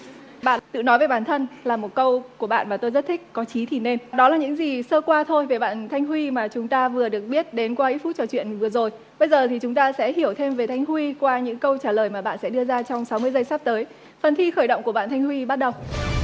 bạn tự nói về bản thân là một câu của bạn và tôi rất thích có chí thì nên đó là những gì sơ qua thôi về bạn thanh huy mà chúng ta vừa được biết đến qua ít phút trò chuyện vừa rồi bây giờ thì chúng ta sẽ hiểu thêm về thanh huy qua những câu trả lời mà bạn sẽ đưa ra trong sáu mươi giây sắp tới phần thi khởi động của bạn thanh huy bắt đầu